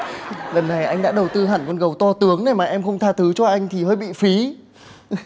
lần này anh đã đầu tư hẳn con gấu to tướng đấy mà em không tha thứ cho anh thì hơi bị phí